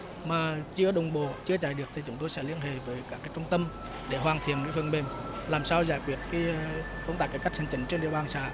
mà chưa đồng bộ chưa trải được thì chúng tôi sẽ liên hệ với các cái trung tâm để hoàn thiện cái phần mềm làm sao giải quyết cái công tác cải cách hành chính trên địa bàn xã